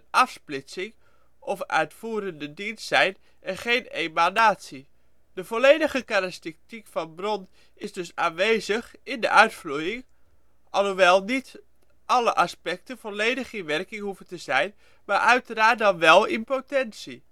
afsplitsing of (uitvoerende) dienst zijn en geen emanatie. De volledige karakteristiek van de bron is dus aanwezig in de uitvloeiing, alhoewel niet alle aspecten volledig in werking hoeven te zijn maar uiteraard dan wel in potentie